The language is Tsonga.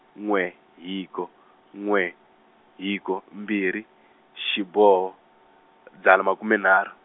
n'we, hiko, n'we, hiko, mbirhi, xiboho, dzana makume nharhu.